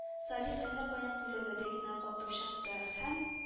Салих әллә каян күләгәдәй генә калкып чыкты һәм